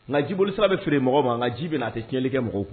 Nka jiboli sira bɛ feere mɔgɔ ma nka ji bɛna a tɛ tiɲɛli kɛ mɔgɔ kun.